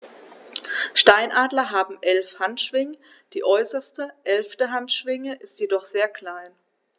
Steinadler haben 11 Handschwingen, die äußerste (11.) Handschwinge ist jedoch sehr klein.